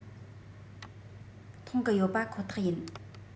མཐོང གི ཡོད པ ཁོ ཐག ཡིན